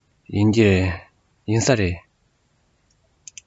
ཡིན གྱི རེད